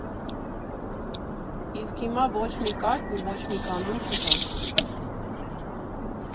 Իսկ հիմա՝ ոչ մի կարգ ու ոչ մի կանոն չկա։